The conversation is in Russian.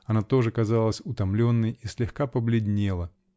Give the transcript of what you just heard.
она тоже казалась утомленной и слегка побледнела